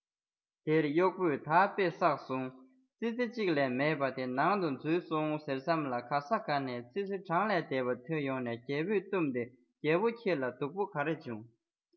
དེར གཡོག པོས ད དཔེ བསགས སོང ཙི ཙི གཅིག ལས མེད པ དེ ནང དུ འཛུལ སོང ཟེར མཚམས ལ ག ས ག ནས ཙི ཙི གྲངས ལས འདས པ ཐོན ཡོང ནས རྒྱལ པོ བཏུམས ཏེ རྒྱལ པོ ཁྱེད ལ སྡུག པ ག རེ བྱུང